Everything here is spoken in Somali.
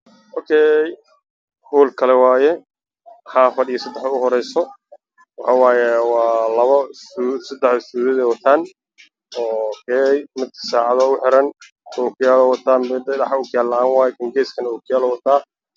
Waa hool waxaa fadhiya niman waxay wataan si wadad caddaan iyo midooday buluug kuraasta waa cadaan mise wacdaan